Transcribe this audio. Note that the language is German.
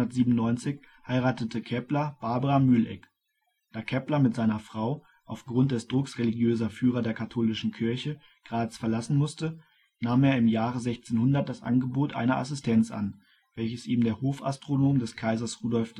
1597 heiratete Kepler Barbara Mühleck. Da Kepler mit seiner Frau auf Grund des Drucks religiöser Führer der katholischen Kirche Graz verlassen musste, nahm er im Jahre 1600 das Angebot einer Assistenz an, welches ihm der Hofastronom des Kaisers Rudolf